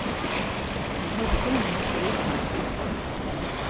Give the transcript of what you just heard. tey tóku filmin upp í íslandi